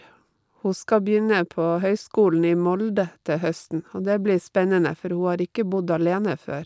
Hun skal begynne på høyskolen i Molde til høsten, og det blir spennende, for hun har ikke bodd alene før.